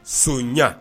Son